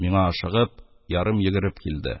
Миңа ашыгып, ярым йөгереп килде: